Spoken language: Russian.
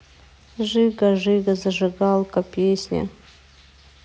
жига жига зажигалка песня